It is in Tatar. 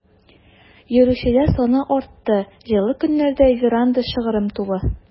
Йөрүчеләр саны артты, җылы көннәрдә веранда шыгрым тулы.